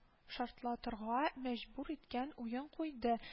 Шартлатырга мәҗбүр иткән уен куйды